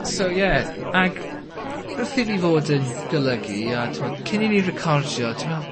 so ie ag wrth i fi fod yn golygu a t'mod cyn i ni recordio dwi me'wl